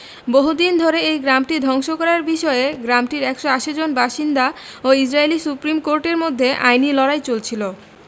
বহুদিন ধরে এই গ্রামটি ধ্বংস করার বিষয়ে গ্রামটির ১৮০ জন বাসিন্দা ও ইসরাইলি সুপ্রিম কোর্টের মধ্যে আইনি লড়াই চলছিল